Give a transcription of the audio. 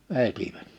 vetivät